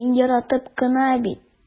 Мин яратып кына бит...